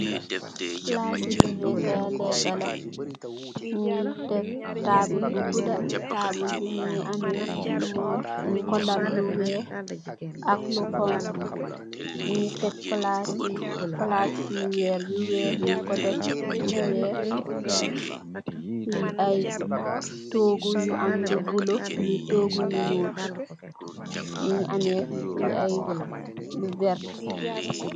Plassi demeh kaii lehkah la, mungy deff taabul bu gudah, taabul bii mungy ameh morss njung kor lal lu wekh ak lu honhu, njungy tek plaati, plaati wehrre yu wekh, nung kor deff lu wekh, fii aiiy tohgu yu am lu bleu, tohgu yu njull, njungy ameh aiiy lu vertue.